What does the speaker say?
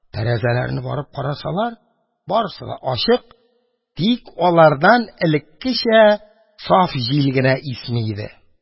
Тәрәзәләрне барып карасалар, барысы да ачык, тик алардан элеккечә саф җил генә исми иде.